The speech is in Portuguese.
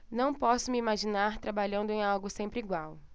não posso me imaginar trabalhando em algo sempre igual